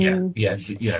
Ie ie ll- ie.